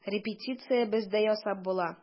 Репетиция бездә ясап була.